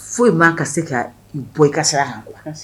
Foyi' ka se ka bɔkasira